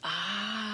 Ah.